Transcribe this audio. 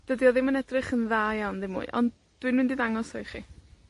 dydi o ddim yn edrych yn dda iawn, ddim mwy, ond, dwi'n mynd i ddangos o i chi.